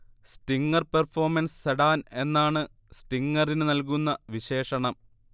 Stinger performance sedan എന്നാണ് സ്റ്റിങ്ങറിന് നൽകുന്ന വിശേഷണം